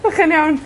'Dych chi'n iawn?